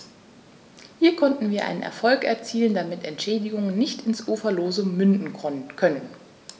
Hier konnten wir einen Erfolg erzielen, damit Entschädigungen nicht ins Uferlose münden können.